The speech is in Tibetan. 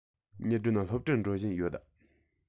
ཉི སྒྲོན སློབ གྲྭར འགྲོ བཞིན ཡོད